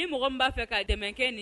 Ni mɔgɔ b' fɛ ka dɛmɛ kɛ nin